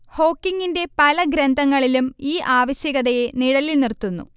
ഹോക്കിങ്ങിന്റെ പല ഗ്രന്ഥങ്ങളിലും ഈ ആവശ്യകതയെ നിഴലിൽ നിർത്തുന്നു